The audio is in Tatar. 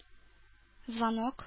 Звонок